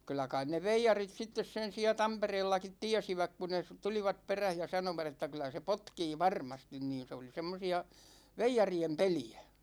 kyllä kai ne veijarit sitten sen siellä Tampereellakin tiesivät kun ne - tulivat perässä ja sanoivat että kyllä se potkii varmasti niin se oli semmoisia veijarien peliä